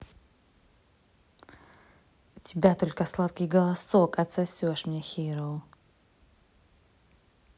у тебя только сладкий голосок отсосешь мне hero